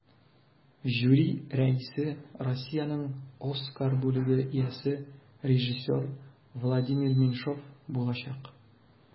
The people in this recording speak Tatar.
Жюри рәисе Россиянең Оскар бүләге иясе режиссер Владимир Меньшов булачак.